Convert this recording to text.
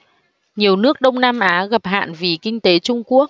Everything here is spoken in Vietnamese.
nhiều nước đông nam á gặp hạn vì kinh tế trung quốc